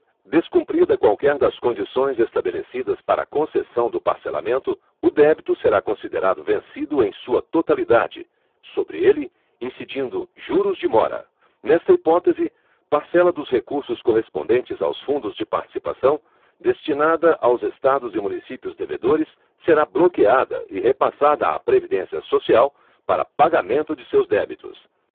descumprida qualquer das condições estabelecidas para concessão do parcelamento o débito será considerado vencido em sua totalidade sobre ele incidindo juros de mora nesta hipótese parcela dos recursos correspondentes aos fundos de participação destinada aos estados e municípios devedores será bloqueada e repassada à previdência social para pagamento de seus débitos